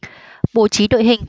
bố trí đội hình